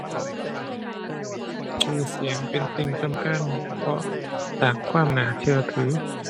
ชื่อเสียงเป็นสิ่งสำคัญเพราะสร้างความน่าเชื่อถือ